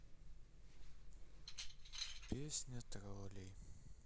песня троллей